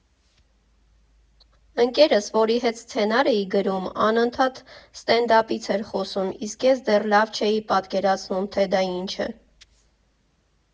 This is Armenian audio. Ընկերս, որի հետ սցենար էի գրում, անընդհատ սթենդափից էր խոսում, իսկ ես դեռ լավ չէի պատկերացնում, թե դա ինչ է։